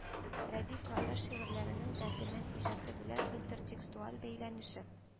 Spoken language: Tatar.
РӘДИФ ГАТАШ ШИГЫРЬЛӘРЕНЕҢ ДӘРДЕМӘНД ИҖАТЫ БЕЛӘН ИНТЕРТЕКСТУАЛЬ БӘЙЛӘНЕШЕ